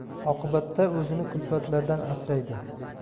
oqibatda o'zini kulfatlardan asraydi